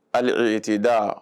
Hali e t' da